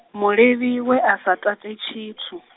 mulevhi we a sa tate tshithu.